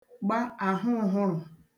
gba àhụụ̄hụrụ̀